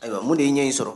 Ayiwa mun de ye ɲɛ in sɔrɔ